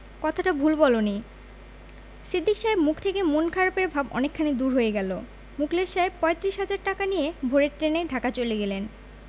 কথাটা ভুল বলনি সিদ্দিক সাহেবের মুখ থেকে মন খারাপের ভাব অনেকখানি দূর হয়ে গেল মুখলেস সাহেব পয়ত্রিশ হাজার টাকা নিয়ে ভোরের ট্রেনে ঢাকা চলে গেলেন